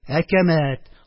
Әкәмәт